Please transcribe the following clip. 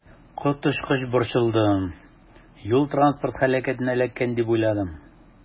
Коточкыч борчылдым, юл-транспорт һәлакәтенә эләккән дип уйладым.